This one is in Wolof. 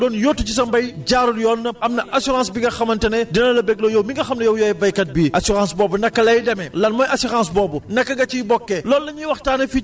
waaw xam ngeen ci wàllu assurance yi waxoon nañ leen am na assurance boo xamante ne bu fekkee dem nga ba li nga doon yóotu ci sa mbay jaarul yoon am na assurance bi nga xamante ne dina la bégloo yow mi nga xam yow yaay baykat bi